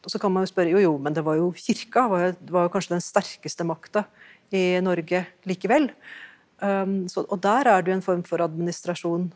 også kan man jo spørre jo jo men det var jo kirka var jo det var jo kanskje den sterkeste makta i Norge likevel òg der er det jo en form for administrasjon.